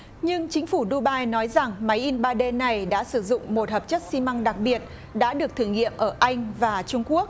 nhưng chính phủ đu bai nói rằng máy in ba đê này đã sử dụng một hợp chất xi măng đặc biệt đã được thử nghiệm ở anh và trung quốc